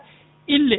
inɗe